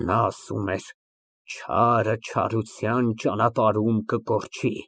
Նա ասում էր. «Չարը չարության ճանապարհում կկորչի»։